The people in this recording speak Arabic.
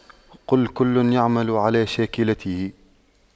قُل كُلٌّ يَعمَلُ عَلَى شَاكِلَتِهِ